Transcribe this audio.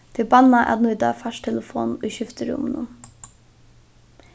tað er bannað at nýta fartelefon í skiftirúminum